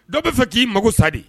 Dɔw b'a fɛ k'i mago sa de